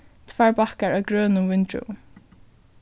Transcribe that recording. tveir bakkar av grønum víndrúvum